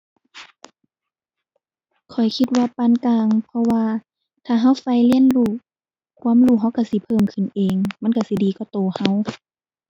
ข้อยคิดว่าปานกลาง เพราะว่าถ้าเราใฝ่เรียนรู้ ความรู้เราเราสิเพิ่มขึ้นเอง มันเราสิดีกับเราเรา